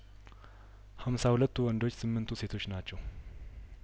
ሀምሳ ሁለቱ ወንዶች ስምንቱ ሴቶች ናቸው